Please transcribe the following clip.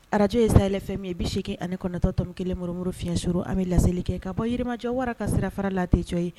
Arajo ye sayɛlɛ fɛn min ye i bɛ see ani kɔnɔnatɔtɔn kelenmomuru fiyɛn sur a bɛ laselili kɛ ka bɔ yirimajɔ wara ka sirafara latɛcɛ ye